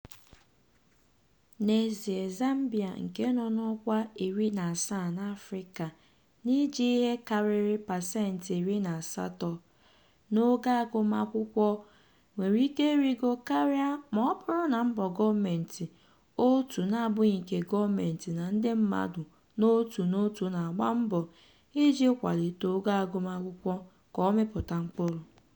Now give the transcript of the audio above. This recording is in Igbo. N'ezie Zambia, nke nọ n'ọkwa 17 n'Afrịka n'iji ihe karịrị pasentị 80 n'ogo agụmakwụkwọ nwere ike ịrịgo karịa maọbụrụ na mbọ gọọmentị, òtù na-abụghị nke gọọmentị na ndị mmadụ n'otu n'otu na-agba mbọ iji kwalite ogo agụmakwụkwọ amịpụta mkpụrụ.